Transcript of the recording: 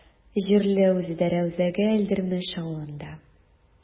Җирле үзидарә үзәге Әлдермеш авылында.